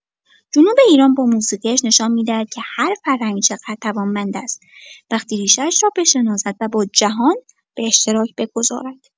جنوب ایران با موسیقی‌اش نشان می‌دهد که هر فرهنگ چقدر توانمند است وقتی ریشه‌اش را بشناسد و با جهان به اشتراک بگذارد.